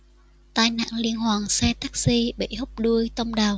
tai nạn liên hoàn xe taxi bị húc đuôi tông đầu